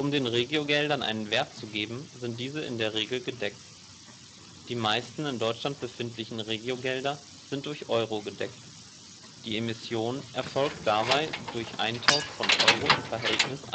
den Regiogeldern einen Wert zu geben, sind diese i.d.R. gedeckt. Die meisten in Deutschland befindlichen Regiogelder sind durch Euro gedeckt. Die Emission erfolgt dabei durch Eintausch von Euro im Verhältnis 1:1